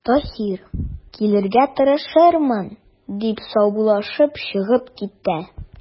Таһир:– Килергә тырышырмын,– дип, саубуллашып чыгып китә.